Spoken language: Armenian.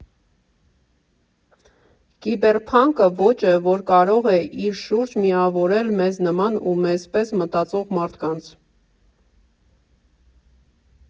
Կիբերփանկը ոճ է, որ կարող է իր շուրջ միավորել մեզ նման ու մեզ պես մտածող մարդկանց։